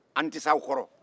anw tɛ se aw kɔrɔ